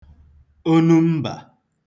onumbà